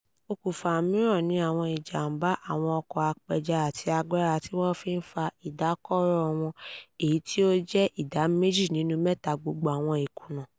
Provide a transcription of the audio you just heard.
Okùnfà mìíràn ni àwọn ìjàm̀bá àwọn ọkọ̀ apẹja àti agbára tí wọ́n fi ń fa ìdákọ̀ró wọn, èyí tí ó jẹ́ ìdá méjì nínú mẹ́ta gbogbo àwọn ìkùnà.